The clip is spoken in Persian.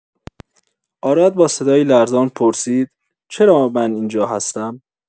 آراد با صدایی لرزان پرسید: «چرا من اینجا هستم؟»